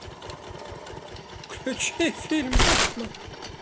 включи фильм бэтмен